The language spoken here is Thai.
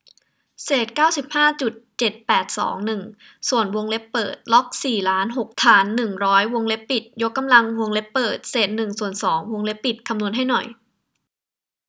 เศษเก้าสิบห้าจุดเจ็ดแปดสองหนึ่งส่วนวงเล็บเปิดล็อกสี่ล้านหกฐานหนึ่งร้อยวงเล็บปิดยกกำลังวงเล็บเปิดเศษหนึ่งส่วนสองวงเล็บปิดคำนวณให้หน่อย